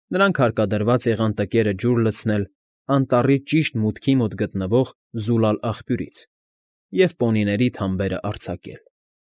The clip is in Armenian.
Նրանք հարկադրված եղան տիկերը ջուր լցնել անտառի ճիշտ մուտքի մոտ գտնվող զուլալ աղբյուրից և պոնիների թամբերն արձակել։